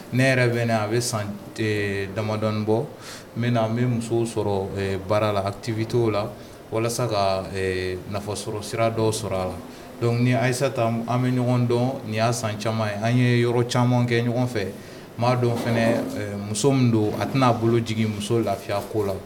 Ne yɛrɛ bɛnen a bɛ san damadɔn bɔ n bɛna na n bɛ muso sɔrɔ baara la tibit la walasa ka sira dɔ sɔrɔ a la donc ni ayisata an bɛ ɲɔgɔn dɔn nin y'a san caman ye an ye yɔrɔ caman kɛ ɲɔgɔn fɛ m' dɔn fana muso min don a tɛna n' aa bolo jigin muso lafiya ko la